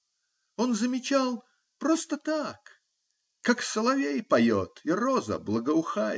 Он замечал -- "просто так", "как соловей поет и роза благоухает".